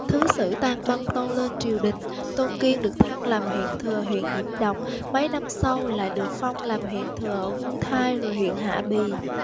thứ sử tang bân tâu lên triều đình tôn kiên được thăng làm huyện thừa huyện diễm độc mấy năm sau lại được phong làm huyện thừa ở vu thai rồi huyện hạ bì